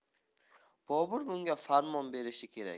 bobur bunga farmon berishi kerak